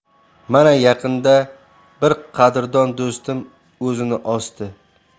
mana yaqinda bir qadrdon do'stim o'zini osdi